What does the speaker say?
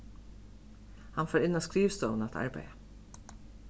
hann fór inn á skrivstovuna at arbeiða